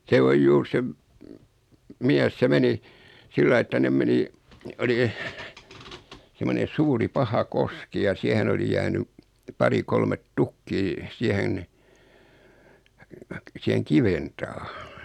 se on juuri se - mies se meni sillä lailla että ne meni oli semmoinen suuri paha koski ja siihen oli jäänyt pari kolme tukkia siihen siihen kiven taa